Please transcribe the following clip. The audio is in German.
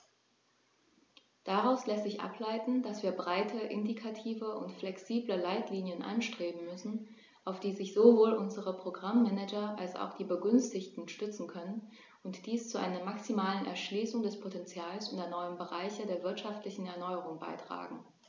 Daraus lässt sich ableiten, dass wir breite, indikative und flexible Leitlinien anstreben müssen, auf die sich sowohl unsere Programm-Manager als auch die Begünstigten stützen können und die zu einer maximalen Erschließung des Potentials der neuen Bereiche der wirtschaftlichen Erneuerung beitragen.